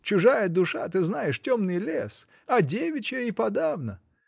Чужая душа, ты знаешь, темный лес, а девичья и подавно.